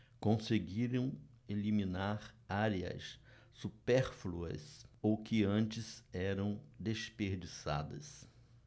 conseguiram eliminar áreas supérfluas ou que antes eram desperdiçadas